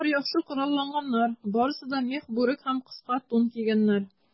Алар яхшы коралланганнар, барысы да мех бүрек һәм кыска тун кигәннәр.